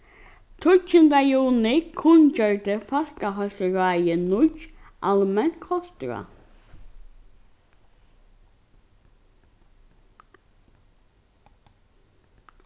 tíggjunda juni kunngjørdi fólkaheilsuráðið nýggj almenn kostráð